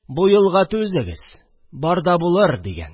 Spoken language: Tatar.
– бу елга түзегез, бар да булыр, – дигән